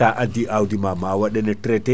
sa addi awdi ma ma waɗane traité